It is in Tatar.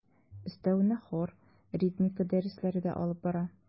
Өстәвенә хор, ритмика дәресләре дә алып бара.